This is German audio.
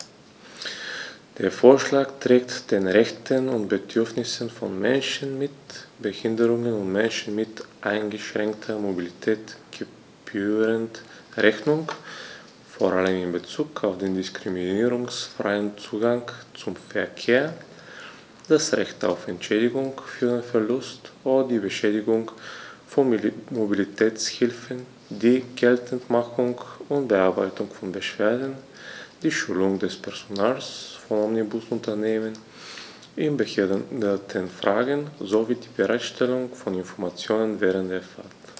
Der Vorschlag trägt den Rechten und Bedürfnissen von Menschen mit Behinderung und Menschen mit eingeschränkter Mobilität gebührend Rechnung, vor allem in Bezug auf den diskriminierungsfreien Zugang zum Verkehr, das Recht auf Entschädigung für den Verlust oder die Beschädigung von Mobilitätshilfen, die Geltendmachung und Bearbeitung von Beschwerden, die Schulung des Personals von Omnibusunternehmen in Behindertenfragen sowie die Bereitstellung von Informationen während der Fahrt.